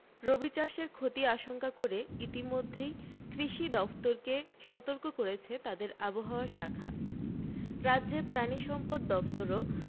রবিচাষের ক্ষতি আশঙ্কা করে ইতিমধ্যেই কৃষি দফতরকে সতর্ক করেছে তাদের আবহাওয়া শাখা রাজ্যের প্রাণিসম্পদ দফতরও